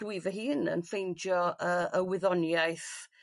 dwi fy hun yn ffeindio yy y wyddoniaeth